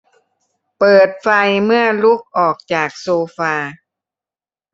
เปิดไฟเมื่อลุกออกจากโซฟา